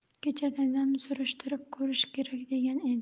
kecha dadam surishtirib ko'rish kerak degan edi